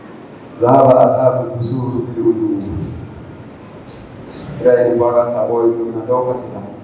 <<